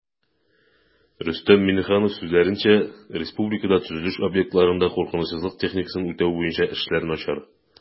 Рөстәм Миңнеханов сүзләренчә, республикада төзелеш объектларында куркынычсызлык техникасын үтәү буенча эшләр начар